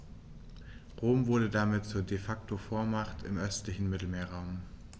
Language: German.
Rom wurde damit zur ‚De-Facto-Vormacht‘ im östlichen Mittelmeerraum.